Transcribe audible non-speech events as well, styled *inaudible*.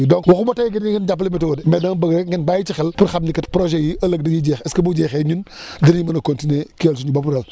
donc waxuma tey gii nii ngeen jàppale météo de mais dama bëgg rek ngeen bàyyi ci xel pour xam ni kat projets yii ëllëg dañuy jeex est ce que bu jeexee ñun *breath* dinañ mën a continuer ***